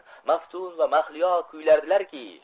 maftun va mahliyo kuylardilarki